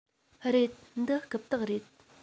རེད འདི རྐུབ སྟེགས རེད